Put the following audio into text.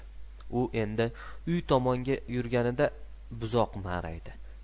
u endi uy tomonga yurganida buzoq maraydi